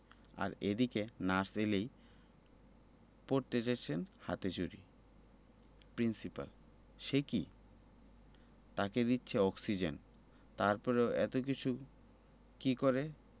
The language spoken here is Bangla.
আর এদিকে নার্স এলেই পরতে চাইছেন হাতে চুড়ি প্রিন্সিপাল সে কি তাকে দিচ্ছে অক্সিজেন তারপরেও এত কিছুর কি করে